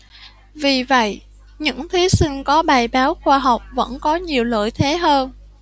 vì vậy những thí sinh có bài báo khoa học vẫn có nhiều lợi thế hơn